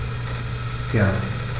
Gern.